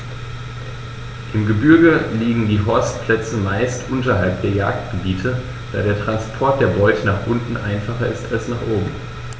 Im Gebirge liegen die Horstplätze meist unterhalb der Jagdgebiete, da der Transport der Beute nach unten einfacher ist als nach oben.